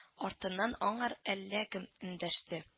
Артыннан аңар әллә кем эндәште